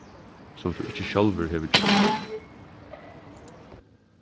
sum tú ikki sjálvur hevur gjørt